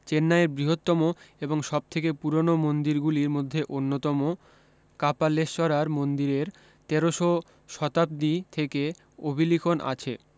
চেন্নাইের বৃহত্তম এবং সবথেকে পুরানো মন্দিরগুলির মধ্যে অন্যতম কাপালেশ্বরার মন্দিরের তেরোশ শতাব্দী থেকে অভিলিখন আছে